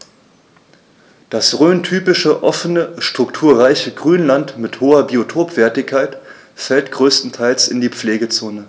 Das rhöntypische offene, strukturreiche Grünland mit hoher Biotopwertigkeit fällt größtenteils in die Pflegezone.